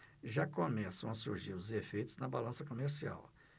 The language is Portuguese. já começam a surgir os efeitos na balança comercial